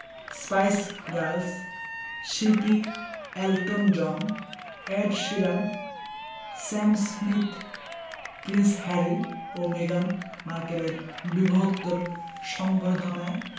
spice Girls শিল্পী Elton John Ed Sheeran Sam Smith prince Harry ও মেগান মার্কেলের বিবাহোত্তর সংবর্ধনায়